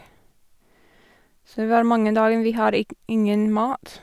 Så det var mange dagen vi har ik ingen mat.